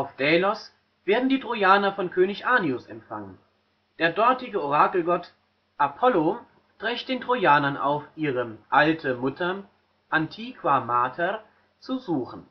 Delos werden die Trojaner von König Anius empfangen; der dortige Orakelgott Apollo trägt den Trojanern auf, ihre „ alte Mutter “(antiqua mater) zu suchen